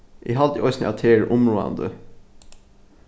eg haldi eisini at tað er umráðandi